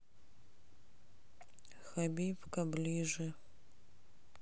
хабибка ближе